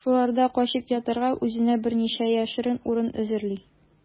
Шуларда качып ятарга үзенә берничә яшерен урын әзерли.